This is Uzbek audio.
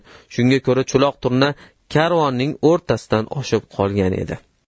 shunga ko'ra cho'loq turna karvonning o'rtasidan oshib qolgan edi